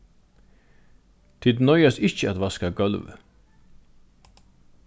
tit noyðast ikki at vaska gólvið